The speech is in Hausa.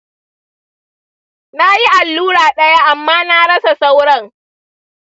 na yi allura ɗaya amma na rasa sauran.